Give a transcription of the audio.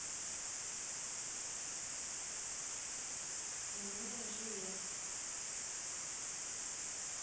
свиное желе